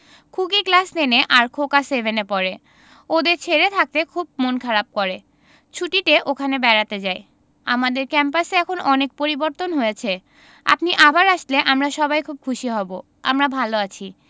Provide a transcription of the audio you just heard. খুকি class ten এ আর খোকা সেভেন এ পড়ে ওদের ছেড়ে থাকতে খুব মন খারাপ করে ছুটিতে ওখানে বেড়াতে যাই আমাদের ক্যাম্পাসের এখন অনেক পরিবর্তন হয়েছে আপনি আবার আসলে আমরা সবাই খুব খুশি হব আমরা ভালো আছি